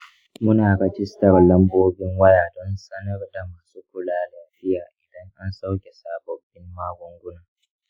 muna rajistar lambobin waya don sanar da masu kula lafiya idan an sauke sabobin magunguna.